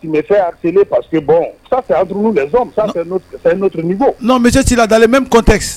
pa mɛtɛ